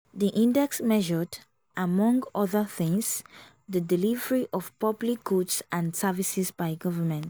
The index measured, among other things, the delivery of public goods and services by government.